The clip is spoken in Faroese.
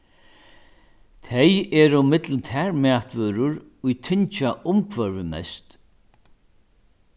tey eru millum tær matvørur ið tyngja umhvørvið mest